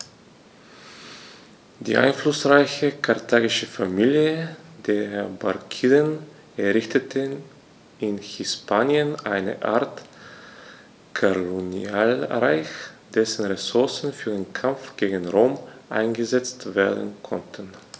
Die einflussreiche karthagische Familie der Barkiden errichtete in Hispanien eine Art Kolonialreich, dessen Ressourcen für den Kampf gegen Rom eingesetzt werden konnten.